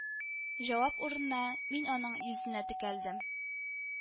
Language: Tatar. Җавап урынына мин аның йөзенә текәлдем